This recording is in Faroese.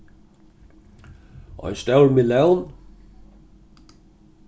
ein stór melón